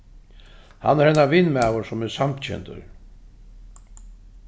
hann er hennara vinmaður sum er samkyndur